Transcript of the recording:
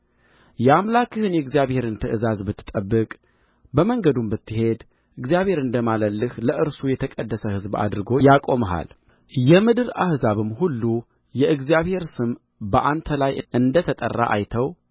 የአምላክህን የእግዚአብሔርን ትእዛዝ ብትጠብቅ በመንገዱም ብትሄድ እግዚአብሔር እንደ ማለልህ ለእርሱ የተቀደሰ ሕዝብ አድርጎ ያቆምሃል የምድር አሕዛብም ሁሉ የእግዚአብሔር ስም በአንተ ላይ እንደ ተጠራ አይተው